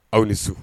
Aw ni so